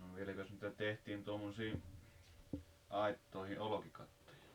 no vieläkös niitä tehtiin tuommoisia aittoihin olkikattoja